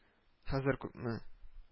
Хәзер күпме